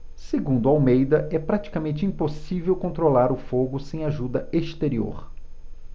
segundo almeida é praticamente impossível controlar o fogo sem ajuda exterior